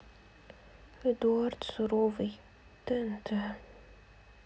эдуард суровый тнт